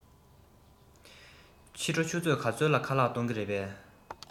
ཕྱི དྲོ ཆུ ཚོད ག ཚོད ལ ཁ ལག གཏོང གི རེད པས